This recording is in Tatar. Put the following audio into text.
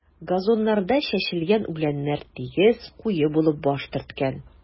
Газоннарда чәчелгән үләннәр тигез, куе булып баш төрткән.